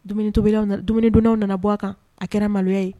To dun nana bɔ a kan a kɛra maloya ye